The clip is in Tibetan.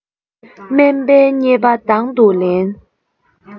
དམན པའི བརྙས པ དང དུ ལེན